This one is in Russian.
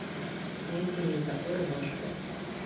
найди мне такую рубашку